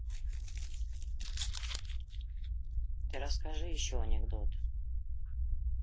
ты расскажи еще анекдот